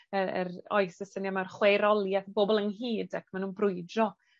yy yr, oes, y syniad ma'r chwaerolieth, bobol ynghyd ac ma' nw'n brwydro